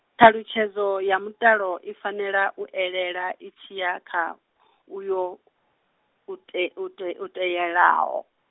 ṱhalutshedzo ya mutalo i fanela u elela itshi ya kha , uyo u te- u te- u te yelaho.